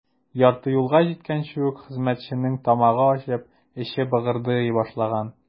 Ярты юлга җиткәнче үк хезмәтченең тамагы ачып, эче быгырдый башлаган.